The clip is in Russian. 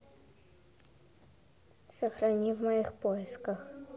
сохрани в моих поисках